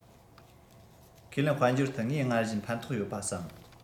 ཁས ལེན དཔལ འབྱོར ཐད ངས སྔར བཞིན ཕན ཐོག ཡོད པ བསམ